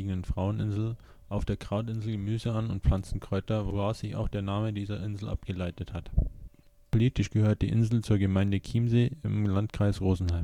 Fraueninsel) auf der Krautinsel Gemüse und Kräuter an, woraus sich auch der Name dieser Insel abgeleitet hat. Politisch gehört sie zur Gemeinde Chiemsee im Landkreis Rosenheim